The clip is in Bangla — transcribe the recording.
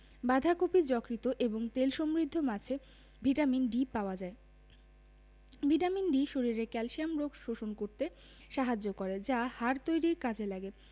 বাঁধাকপি যকৃৎ এবং তেল সমৃদ্ধ মাছে ভিটামিন ডি পাওয়া যায় ভিটামিন ডি শরীরে ক্যালসিয়াম শোষণ করতে সাহায্য করে যা হাড় তৈরীর কাজে লাগে